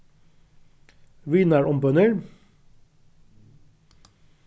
vinarumbønir